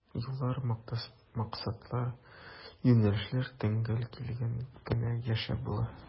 Юллар, максатлар, юнәлешләр тәңгәл килгәндә генә яшәп була.